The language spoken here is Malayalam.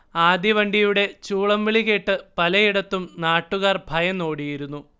ആദ്യവണ്ടിയുടെ ചൂളം വിളികേട്ട് പലയിടത്തും നാട്ടുകാർ ഭയന്ന് ഓടിയിരുന്നു